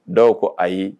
Dɔw ko ayi